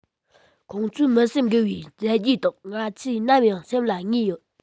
ཁོང ཚོའི མི སེམས འགུལ བའི མཛད རྗེས དག ང ཚོས ནམ ཡང སེམས ལ ངེས ཡོད